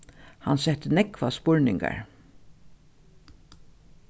hann setti nógvar spurningar